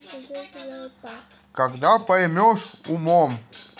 когда поймешь умом